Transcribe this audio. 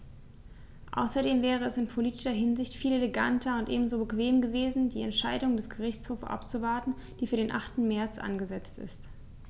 Außerdem wäre es in politischer Hinsicht viel eleganter und ebenso bequem gewesen, die Entscheidung des Gerichtshofs abzuwarten, die für den 8. März angesetzt ist.